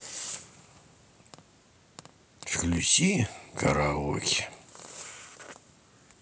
включить караоке